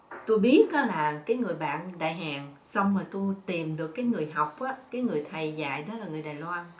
tui biết á là cái người bạn đã hẹn song rồi tôi tìm được cái người học á cái người thầy dạy đó là người đài loan